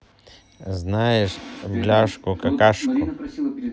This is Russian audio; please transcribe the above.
знаешь бляшку какашку